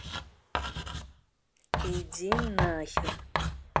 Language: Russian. иди нахер